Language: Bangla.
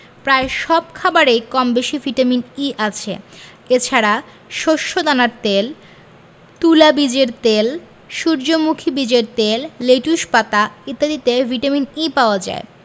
প্রায় সব খাবারেই কমবেশি ভিটামিন E আছে তাছাড়া শস্যদানার তেল তুলা বীজের তেল সূর্যমুখী বীজের তেল লেটুস পাতা ইত্যাদিতে ভিটামিন E পাওয়া যায়